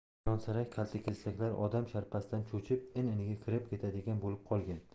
jonsarak kaltakesaklar odam sharpasidan cho'chib in iniga kirib ketadigan bo'lib qolgan